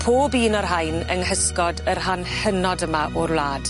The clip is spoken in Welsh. Pob un o'r rhain yng nghysgod y rhan hynod yma o'r wlad.